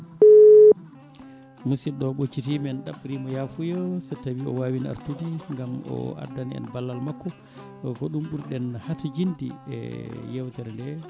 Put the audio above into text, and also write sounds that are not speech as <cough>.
<noise> musidɗo o ɓoccitima en ɗaɓɓirimo yafuya so tawi o wawino artude gaam o addana en ballal makko ko ɗum ɓurɗen hatojinde e yewtere nde